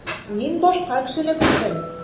Мин башка кешене күрдем.